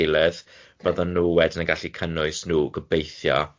gilydd, bydden nhw wedyn yn gallu cynnwys nhw, gobeithio.